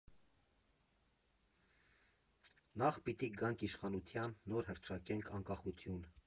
Նախ պիտի գանք իշխանության, նոր հռչակենք Անկախություն։